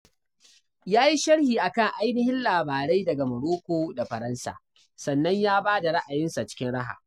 Ya yi sharhi a kan ainihin labarai daga Morocco da Faransa sannan ya ba da ra'ayinsa cikin raha.